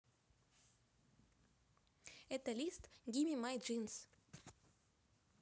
это list gimme my jeans